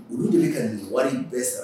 Olu de bɛ ka nin wari in bɛɛ sara